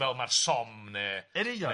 fel ma'r Somme ne'... Yn union...